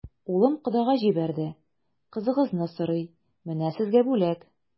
Улым кодага җибәрде, кызыгызны сорый, менә сезгә бүләк.